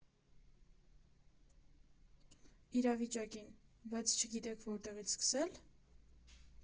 Իրավիճակին, բայց չգիտեք որտեղից սկսե՞լ։